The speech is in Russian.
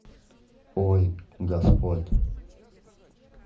ой господь